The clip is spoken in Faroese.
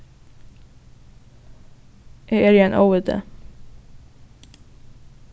eg eri ein óviti